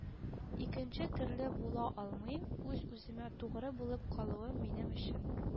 Икенче төрле була алмыйм, үз-үземә тугры булып калуым минем өчен